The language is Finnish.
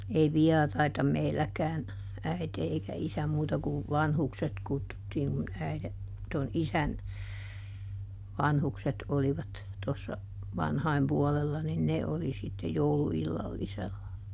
ei vieraita meilläkään äiti eikä isä muuta kuin vanhukset kutsuttiin kun äidin tuon isän vanhukset olivat tuossa vanhojen puolella niin ne oli sitten - jouluillallisella